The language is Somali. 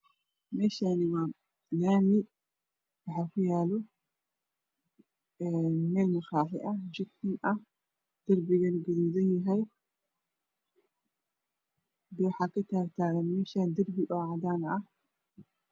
Meeshaani waa laami waxaa ku yaalo meel maqaaxi ah chicken ah derbigeeda gaduudan yahay waxaa ka taag taagaan meeshaan derbi oo cadaan ah